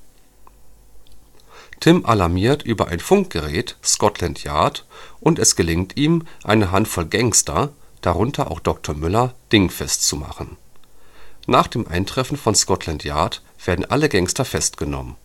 Tim alarmiert über ein Funkgerät Scotland Yard, und es gelingt ihm, eine Handvoll Gangster – darunter auch Dr. Müller – dingfest zu machen. Nach dem Eintreffen von Scotland Yard werden alle Gangster festgenommen